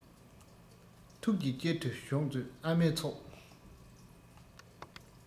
ཐུགས ཀྱི དཀྱིལ དུ ཞོག མཛོད ཨ མའི ཚོགས